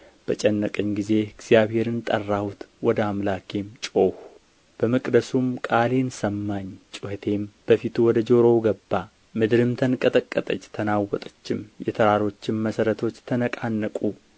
በጨነቀኝ ጊዜ እግዚአብሔርን ጠራሁት ወደ አምላኬም ጮኽሁ ከመቅደሱም ቃሌን ሰማኝ ጩኸቴም በፊቱ ወደ ጆሮው ገባ ምድርም ተንቀጠቀጠች ተናወጠችም የተራሮችም መሠረቶች ተነቃነቁ